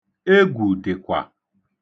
Egwu dịkwa!